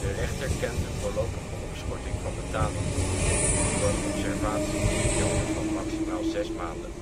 rechter kent een voorlopige opschorting van betaling toe voor een observatieperiode van maximaal zes maanden